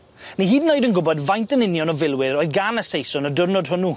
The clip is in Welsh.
Ni hyd yn oed yn gwbod faint yn union o filwyr oedd gan y Saeson y diwrnod hwnnw.